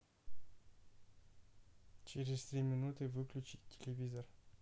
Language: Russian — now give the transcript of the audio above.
через три минуты выключи телевизор